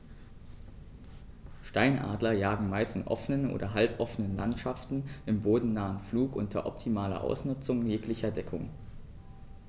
Steinadler jagen meist in offenen oder halboffenen Landschaften im bodennahen Flug unter optimaler Ausnutzung jeglicher Deckung.